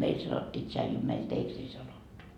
meillä sanottiin tsaiju meillä teeksi ei sanottu